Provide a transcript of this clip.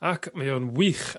ac mae o'n wych